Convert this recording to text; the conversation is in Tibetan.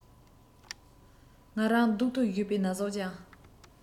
ང རང རྡོག ཐོ གཞུས པའི ན ཟུག ཀྱང